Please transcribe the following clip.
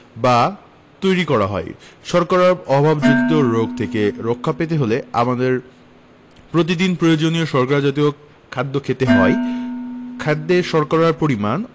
বা তৈরী করা হয় শর্করার অভাবজনিত রোগ থেকে রক্ষা পেতে আমাদের প্রতিদিন প্রয়োজনীয় শর্করা জাতীয় খাদ্য খেতে হয় খাদ্যে শর্করার পরিমাণ